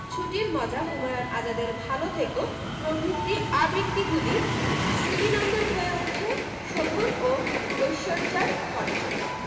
ছুটির মজা হুমায়ুন আজাদের ভাল থেকো প্রভৃতি আবৃত্তিগুলি শ্রুতিনন্দন হয়ে ওঠে শোভন ও ঐশ্বর্যার কণ্ঠে